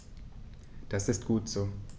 Das ist gut so.